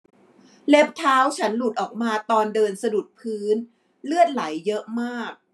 เล็บเท้าฉันหลุดออกมาตอนเดินสะดุดพื้นเลือดไหลเยอะมาก